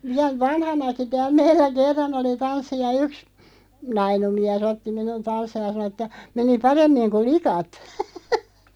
vielä vanhanakin täällä meillä kerran oli tanssi ja yksi nainut mies otti minun tanssimaan ja sanoi että meni paremmin kuin likat